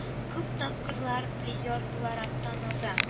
Күп тапкырлар призер буларак танылды